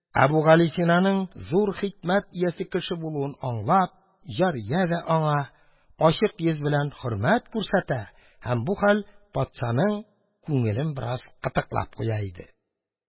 Әбүгалисинаның зур хикмәт иясе кеше булуын аңлап, җария дә аңа ачык йөз белән хөрмәт күрсәтә, һәм бу хәл патшаның күңелен бераз кытыклап куя иде.